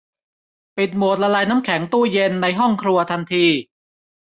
ปิดโหมดละลายน้ำแข็งตู้เย็นในห้องครัวทันที